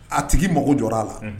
A tigi mago jɔ a la